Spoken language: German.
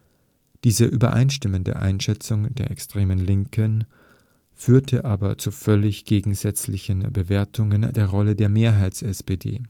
Diese übereinstimmende Einschätzung der extremen Linken führte aber zu völlig gegensätzlichen Bewertungen der Rolle der Mehrheits-SPD